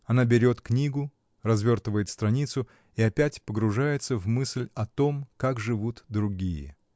Она берет книгу, развертывает страницу и опять погружается в мысль о том, как живут другие.